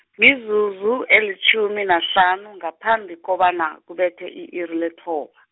mizuzu, elitjhumi nahlanu, ngaphambi kobana, kubethe i-iri lethoba.